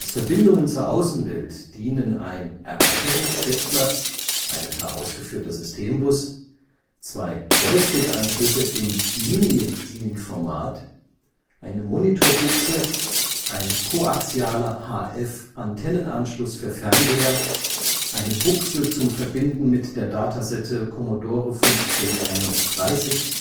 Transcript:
Verbindungen zur Außenwelt dienen ein Erweiterungssteckplatz (herausgeführter Systembus), zwei Joystickanschlüsse im Mini-DIN-Format, eine Monitorbuchse, ein koaxialer HF-Antennenanschluss für Fernseher, eine Buchse zum Verbinden mit der Datasette Commodore 1531